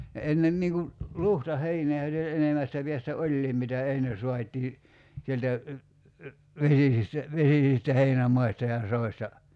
ne ennen niin kun luhtaheinää oli ja enemmästä päästä olikin mitä ennen saatiin sieltä vesisistä vesisistä heinämaista ja soista